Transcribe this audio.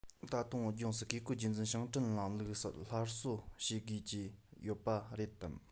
ད དུང བོད ལྗོངས སུ བཀས བཀོད རྒྱུད འཛིན ཞིང བྲན ལམ ལུགས སླར གསོ བྱེད དགོས ཀྱི ཡོད པ རེད དམ